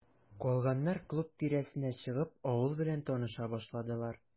Калганнар, клуб тирәсенә чыгып, авыл белән таныша башладылар.